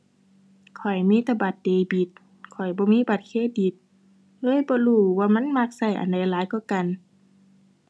ข้อยมีแต่บัตรเดบิต ข้อยบ่มีบัตรเครดิต เลยบ่รู้ว่ามันมักใช้อันไหนหลายกว่ากัน